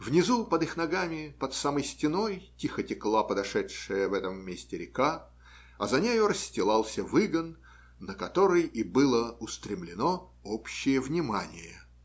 Внизу, под их ногами, под самой стеной, тихо текла подошедшая в этом месте река, а за нею расстилался выгон, на который и было устремлено общее внимание.